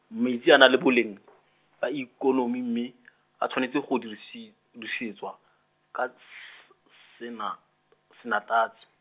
metsi a na le boleng , ba ikonomi mme , a tshwanetse go dirisi-, dirisetswa, ka s- sena-, sanetasi.